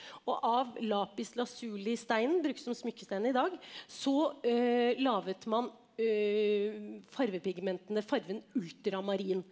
og av steinen brukes som smykkesten i dag så lagde man fargepigmentene fargen ultramarin.